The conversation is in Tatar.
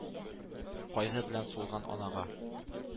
Кайгы белән сулган анага.